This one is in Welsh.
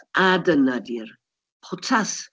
A dyna di'r potas!